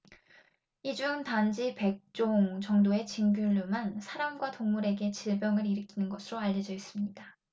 이 중 단지 백 종 정도의 진균류만 사람과 동물에게 질병을 일으키는 것으로 알려져 있습니다